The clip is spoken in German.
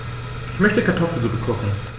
Ich möchte Kartoffelsuppe kochen.